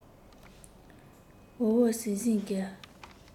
འུར འུར ཟིང ཟིང གིས